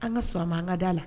An ka sɔn a ma an ka d'a la